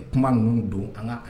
kuma ninu don an ka